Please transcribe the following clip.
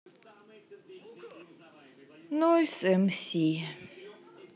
ноиз эм си